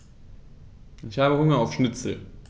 Ich habe Hunger auf Schnitzel.